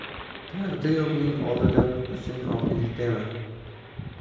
dardi yo'qning oldida boshim og'ridi dema